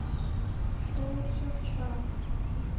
шоу собчак